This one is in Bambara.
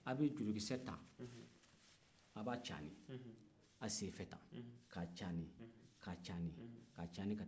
aw bɛ jurukisɛ ta aw ba jaani aw sen fɛ tan ka jaani ka jaani ka taa